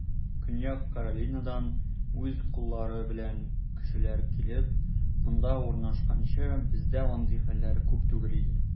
Көньяк Каролинадан үз коллары белән кешеләр килеп, монда урнашканчы, бездә андый хәлләр күп түгел иде.